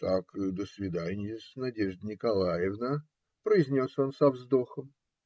- Так до свиданья-с, Надежда Николаевна, - произнес он со вздохом.